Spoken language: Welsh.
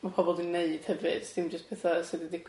ma' pobl di neud hefyd dim jyst petha sydd di digwydd yn naturiol.